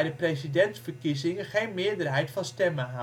presidentsverkiezingen geen meerderheid van stemmen